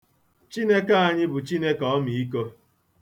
Chineke anyị bụ Chineke ọmiiko.